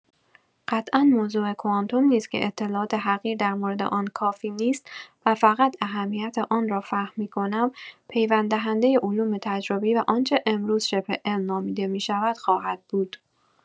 قطعا موضوع کوانتوم نیز که اطلاعات حقیر در مورد آن کافی نیست و فقط اهمیت آن را فهم می‌کنم، پیوند دهنده علوم تجربی و آنچه امروز شبه‌علم نامیده می‌شود خواهد بود.